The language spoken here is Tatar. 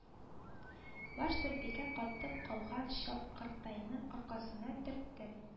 Баш түрбикә катып калган чапкыртайның аркасына төртте